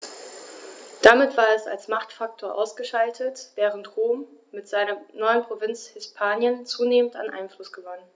Damit war es als Machtfaktor ausgeschaltet, während Rom mit seiner neuen Provinz Hispanien zunehmend an Einfluss gewann.